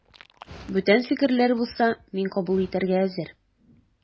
Бүтән фикерләр булса, мин кабул итәргә әзер.